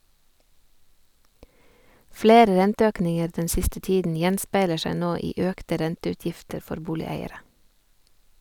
Flere renteøkninger den siste tiden gjenspeiler seg nå i økte renteutgifter for boligeiere.